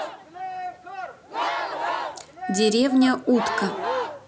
деревня утка